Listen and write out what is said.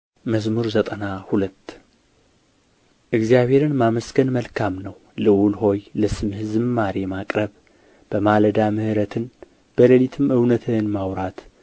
መዝሙር ዘጠና ሁለት እግዚአብሔርን ማመስገን መልካም ነው ልዑል ሆይ ለስምህም ዝማሬ ማቅረብ በማለዳ ምሕረትን በሌሊትም እውነትህን ማውራት